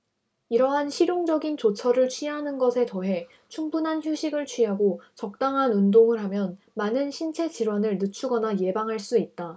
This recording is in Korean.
이러한 실용적인 조처를 취하는 것에 더해 충분한 휴식을 취하고 적당한 운동을 하면 많은 신체 질환을 늦추거나 예방할 수 있다